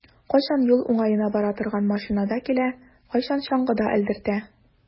Кайчан юл уңаена бара торган машинада килә, кайчан чаңгыда элдертә.